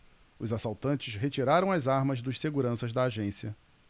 os assaltantes retiraram as armas dos seguranças da agência